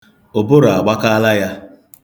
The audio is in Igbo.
Ụbụrụ agbakaala ya.